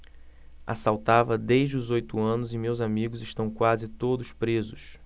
assaltava desde os oito anos e meus amigos estão quase todos presos